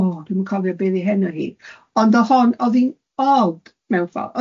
o dwi'm yn cofio be o'dd 'i henw hi, ond o'dd hon o'dd i'n od mewn ffor